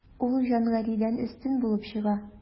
Ул Җангалидән өстен булып чыга.